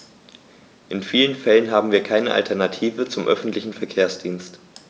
In vielen Fällen haben wir keine Alternative zum öffentlichen Verkehrsdienst.